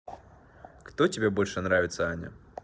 кто тебе больше нравится аня